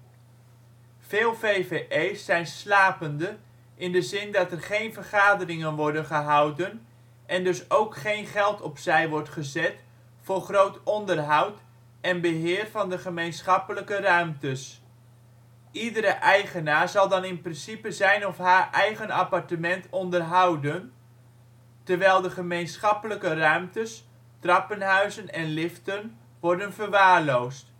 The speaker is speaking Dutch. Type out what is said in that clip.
Veel VvE 's zijn slapende, in de zin dat er geen vergaderingen worden gehouden en dus ook geen geld opzij wordt gezet voor (groot) onderhoud en beheer van de gemeenschappelijke ruimtes. Iedere eigenaar zal dan in principe zijn of haar eigen appartement onderhouden, terwijl de gemeenschappelijke ruimtes, trappenhuizen en liften worden verwaarloosd